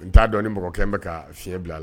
N t'a dɔn ni mɔgɔkɛ bɛ ka fiɲɛ bila la